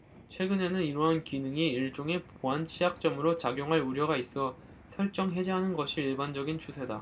최근에는 이러한 기능이 일종의 보안취약점으로 작용할 우려가 있어 설정해제하는 것이 일반적인 추세다